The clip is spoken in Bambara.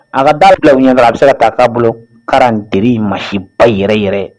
A ka baara bila u ɲɛka a bɛ se k'a'a bolo kage masiba yɛrɛ yɛrɛ